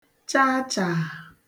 chaachàà